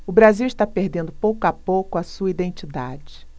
o brasil está perdendo pouco a pouco a sua identidade